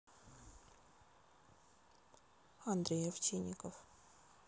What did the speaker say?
андрей овчинников